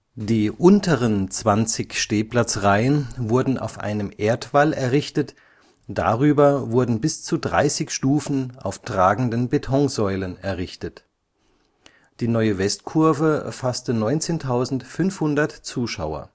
Die unteren 20 Stehplatzreihen wurden auf einem Erdwall errichtet, darüber wurden bis zu 30 Stufen auf tragenden Betonsäulen errichtet. Die neue Westkurve fasste 19.500 Zuschauer